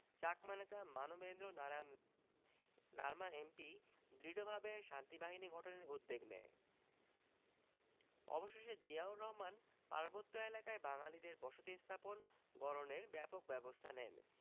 চাকমা নেতা মানবেন্দ্র নারায়ণ লারমা এম.পি. দৃঢ়ভাবে শান্তিবাহিনী গঠনের উদ্যোগ নেয় অবশেষে জিয়াউর রহমান পার্বত্য এলাকায় বাঙালিদের বসতী স্থাপন গড়নের ব্যাপক ব্যবস্তা নেন